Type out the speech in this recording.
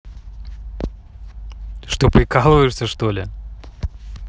что прикалываешься что ли